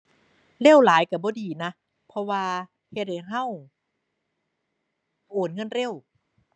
เร็วหลายก็บ่ดีนะ เพราะว่าเฮ็ดให้ก็โอนเงินเร็ว